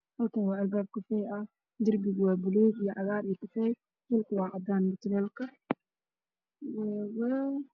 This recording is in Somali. Halakn waa albaab kafey ah dirbiga waa balug io cagar io kafey dhulka waa cadan mutuleelka